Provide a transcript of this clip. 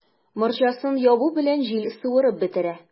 Морҗасын ябу белән, җил суырып бетерә.